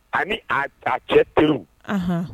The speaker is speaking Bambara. Ani a ka cɛ teri